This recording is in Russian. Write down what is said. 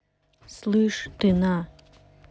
слышь ты на